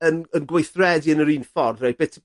yn yn gweithredu yn yr un ffordd reit be' t-...